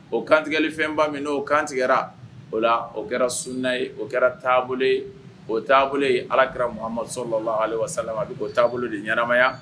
O kantigɛli fɛnba min o kantigɛ o la o kɛra sunina ye o kɛra o taabolo alakiramadu sola a bɛ' taabolo de ɲɛnamaya